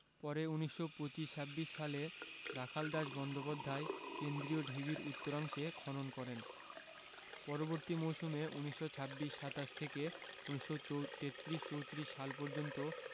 পরে ১৯২৫ ২৬ সালে রাখালদাস বন্দ্যোপাধ্যায় কেন্দ্রীয় ঢিবির উত্তরাংশে খনন করেন পরবর্তী মৌসুম ১৯২৬ ২৭ থেকে ১৯৩৩ ৩৪ সাল পর্যন্ত